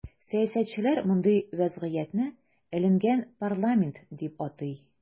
Сәясәтчеләр мондый вазгыятне “эленгән парламент” дип атый.